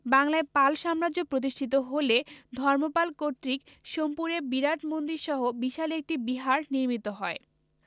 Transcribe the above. বাংলায় পাল সাম্রাজ্য প্রতিষ্ঠিত হলে ধর্মপাল কর্তৃক সোমপুরে বিরাট মন্দিরসহ বিশাল একটি বিহার নির্মিত হয়